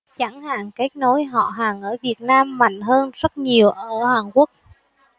chẳng hạn kết nối họ hàng ở việt nam mạnh hơn rất nhiều ở hàn quốc